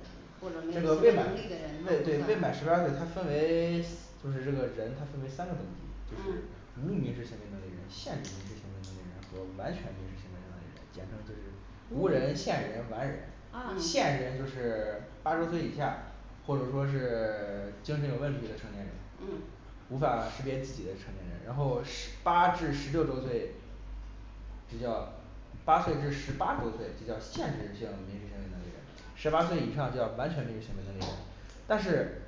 嗯或者没有这行个未动满能力的人未未未满十不八算嗯，岁他分为 就是这个人他分为三个等级就是，无民事行为能力人限制民事行为能力人和完全民事行为能力人简称就是无人限人完人，啊限嗯人就是 八周岁以下，或者说是 精神有问题的成年人，嗯无法识别自己的成年人，然后十八至十六周岁，这叫八岁至十八周岁，这叫限制性民事行为能力人，十八岁以上叫完全民事行为能力人。但是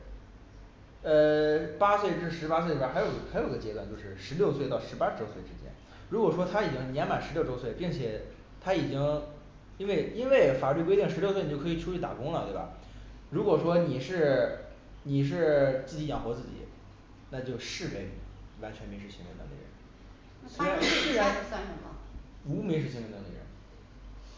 呃 八岁至十八岁里边儿还有个还有个阶段就是十六岁到十八周岁之间，如果说他已经年满十六周岁，并且他已经因为因为法律规定十六岁你就可以出去打工了，对吧？如果说你是 你是 自己养活自己，那就视为完全民事行为能力人，那八周岁以下的算什么？无民事行为能力人。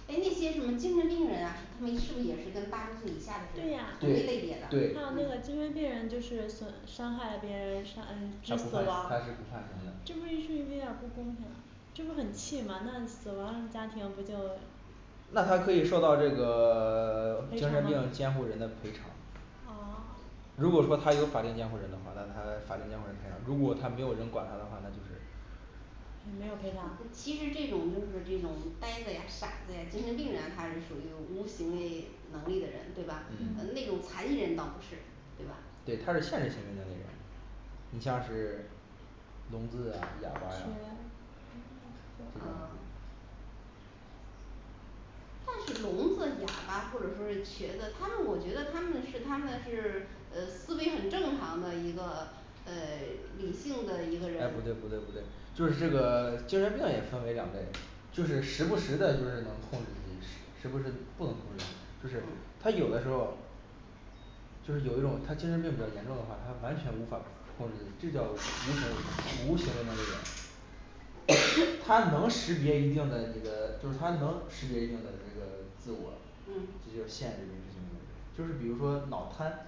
诶那些什么精神病人呀，他们是不是也是跟八周岁以下的对人呀对一类别的还有那对个精神病人就是损伤害了别人伤嗯他致不死判亡他是不判刑的这不是有点儿不公平啊，这不是很气嘛，那死亡家庭不就那他可以受到这个 赔精偿神病吗？监护人的赔偿啊 。如果说他有法定监护人的话，那他法定监护人赔偿如果他没有人管他的话，那就是没有赔偿其实这种就是这种呆子呀傻子呀精神病人啊他是属于无行为能力的人对吧？额那种嗯嗯残疾人倒不是，对吧？对他是限制行为能力人。你像是聋子啊哑巴呀钱啊但是聋子、哑巴或者说是瘸子，他们我觉得他们是他们是 呃思维很正常的一个诶 理性的一个人诶，不对不对不对，就是这个精神病也分为两类，就是时不时的就是能控制自己，时时不时不能控制自己，就是他有嗯的时候就是有一种他精神病比较严重的话，他完全无法控制，这叫无行为能力无行为能力人，他能识别一定的你的就是他能识别一定的这个自我，这就是嗯限制民事行为能力人。就是比如说脑瘫，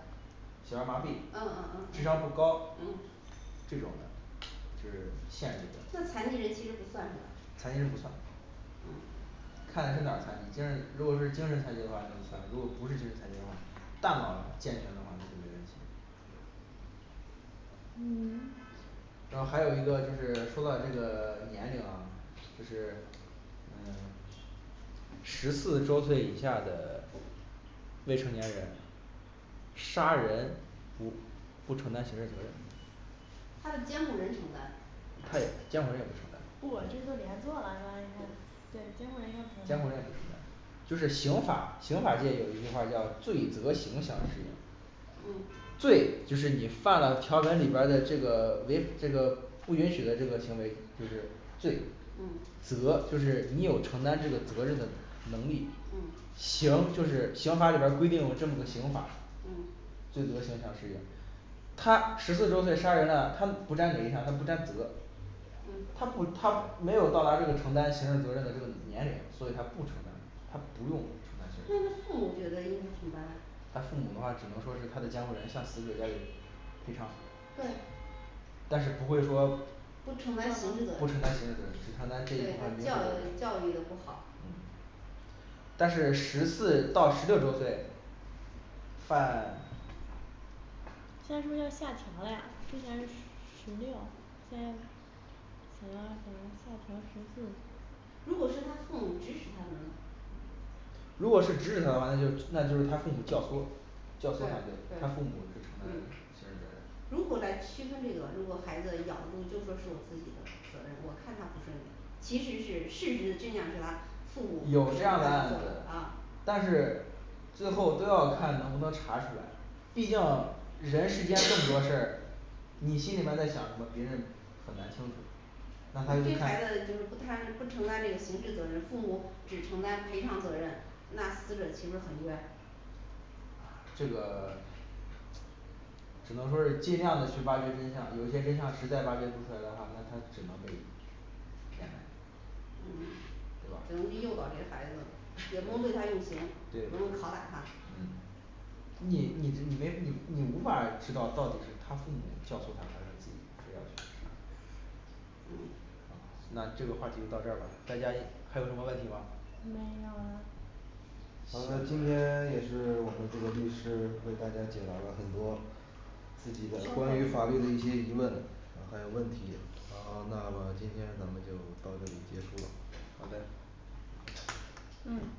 小儿麻痹嗯，智商嗯不高嗯嗯，这种的就是限制的，那残疾人，其实不算是吧，残疾人不算，嗯看是哪儿残疾精神如果是精神残疾的话就算，如果不是精神残疾的话，大脑健全的话那就没问题嗯 然后还有一个就是说到这个年龄啊，就是嗯十四周岁以下的未成年人杀人不不承担刑事责任，他的监护人承担。他监护人也不承担，不这就给他做了是吧应该，对监护人应该不承监护人也不承担担。就是刑法刑法界有一句话叫罪责刑相适应，嗯罪就是你犯了条文里边儿的这个违这个不允许的这个行为，就是罪嗯责，就是你有承担这个责任的能力嗯。刑就是刑法里边儿规定有这么个刑法嗯，罪责刑相适应，他十四周岁杀人了，他不沾哪一项他不沾责，他不嗯他没有到达这个承担刑事责任的这个年龄，所以他不承担他不用承担刑事那他责任。父母觉得应该承担啊，他父母的话只能说是他的监护人向死者家里赔偿对但是不会说不承担刑事责任，对他教的教育的不好。但是十四到十六周岁犯现在说要下调了呀之前是十十六。现在可能可能下调十四，如果是他父母指使他们呢如果是指使他的话那就那就是他父母教唆。对教唆对犯罪他父母是承担嗯刑事责任，如何来区分这个，如果孩子咬住就说是我自己的责任，我看他不顺眼，其实是事实的真相，是他父母，有这样的案子啊，但是最后都要看能不能查出来。毕竟人世间这么多事儿，你心里边儿在想什么，别人很难清楚。那这孩孩子子就是不贪不承担那个刑事责任，父母只承担赔偿责任，那死者岂不是很冤。这个只能说是尽量的去挖掘真相，有些真相实在挖掘不出来的话，那他只能被骗骗来嗯对只吧能去诱导这些孩子，也不能对他用刑，不能对拷打他，嗯你你你没你你无法知道到底是他父母教唆他，还是自己非要去杀。那这个话题就到这儿吧，大家一还有什么问题吗？没有了好了，今天 也是我们这个律师为大家解答了很多自己的稍关于法微律的一些疑问，还有问题，然后那么今天咱们就到这里结束了。好的。嗯